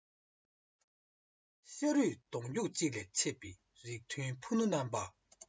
ཤ རུས གདོང རྒྱུད གཅིག ལས ཆད པའི རིགས མཐུན ཕུ ནུ རྣམས པ